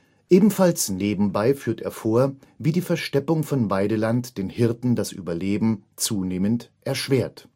Ebenfalls nebenbei führt er vor, wie die Versteppung von Weideland den Hirten das Überleben zunehmend erschwert